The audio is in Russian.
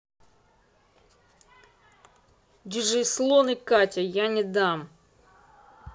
dj slon и katya я не дам